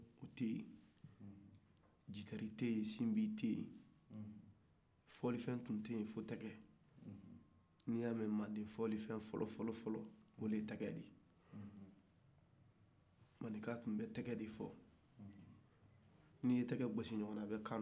n'i ya mɛ mande sɔlisen fɔlɔfɔlɔ tɛgɛ de don mande ka tun bɛ tɛgɛ de fɔ n'i ye tɛgɛ gosi ɲɔgɔna a bɛ manka dɔ di